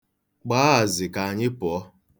Gbaa azị ka anyị pụọ.